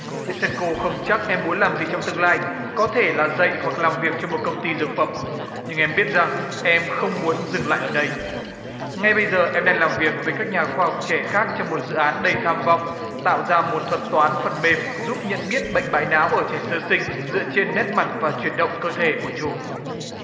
ly sen kô không chắc em muốn làm gì trong tương lai có thể là dạy hoặc làm việc cho một công ty dược phẩm nhưng em biết rằng em không muốn dừng lại ở đây ngay bây giờ em đang làm việc với các nhà khoa học trẻ khác trong một dự án đầy tham vọng tạo ra một thuật toán phần mềm giúp nhận biết bệnh bại não ở trẻ sơ sinh dựa trên nét mặt và chuyển động cơ thể của chúng